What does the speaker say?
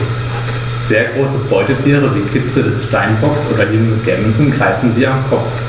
Sehr große Beutetiere wie Kitze des Steinbocks oder junge Gämsen greifen sie am Kopf.